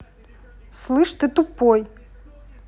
слышь ты тупой